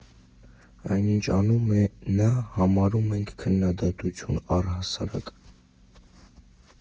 Այն, ինչ անում է, նա համարում է քննադատություն առհասարակ.